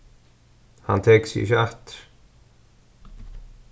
hann tekur seg ikki aftur